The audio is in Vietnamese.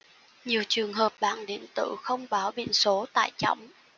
nhiều trường hợp bảng điện tử không báo biển số tải trọng